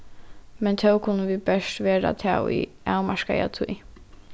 men tó kunnu vit bert vera tað í avmarkaða tíð